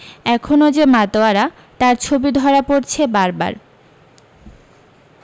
এখনও যে মাতোয়ারা তার ছবি ধরা পড়ছে বারবার